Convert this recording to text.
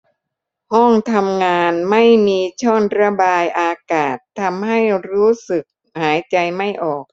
ห้องทำงานไม่มีช่องระบายอากาศทำให้รู้สึกหายใจไม่ออก